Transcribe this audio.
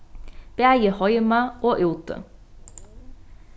bæði heima og úti